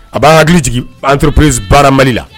A b'a hakili jigin antoperesi baara mali la